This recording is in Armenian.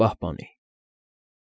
Պահպանի։